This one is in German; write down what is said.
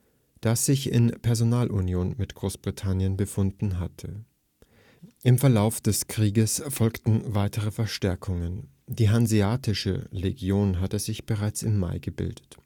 das sich in Personalunion mit Großbritannien befunden hatte. Im Verlauf des Krieges folgten weitere Verstärkungen. Die Hanseatische Legion hatte sich bereits im Mai gebildet